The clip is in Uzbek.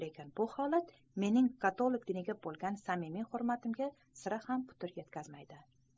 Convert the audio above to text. lekin bu holat mening katolik diniga bo'lgan samimiy hurmatimga sira ham putur yetkazmaydi